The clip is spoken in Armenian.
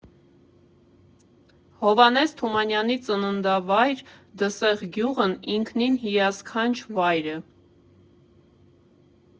Հովհաննես Թումանյանի ծննդավայր Դսեղ գյուղն ինքնին հիասքանչ վայր է։